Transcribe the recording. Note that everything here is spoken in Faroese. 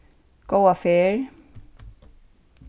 góða ferð